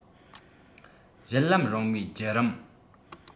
བཞུད ལམ རིང མོའི བརྒྱུ རིམ